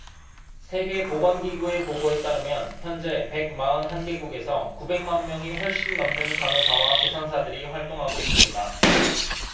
세계 보건 기구의 보고에 따르면 현재 백 마흔 한 개국에서 구백 만 명이 훨씬 넘는 간호사와 조산사들이 활동하고 있습니다